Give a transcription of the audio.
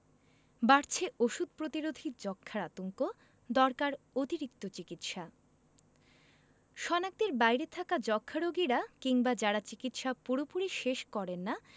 বাড়ছে ওষুধ প্রতিরোধী যক্ষ্মার আতঙ্ক দরকার অতিরিক্ত চিকিৎসা শনাক্তের বাইরে থাকা যক্ষ্মা রোগীরা কিংবা যারা চিকিৎসা পুরোপুরি শেষ করেন না